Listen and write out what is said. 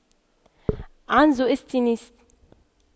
عنز استتيست